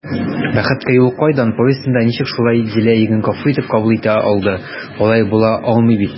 «бәхеткә юл кайдан» повестенда ничек шулай дилә ирен гафу итеп кабул итә алды, алай була алмый бит?»